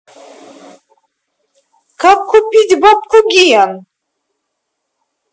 как купить бабку ген